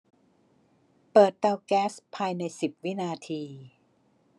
เปิดเตาแก๊สภายในสิบวินาที